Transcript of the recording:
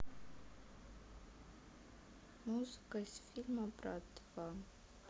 музыка из фильма брат два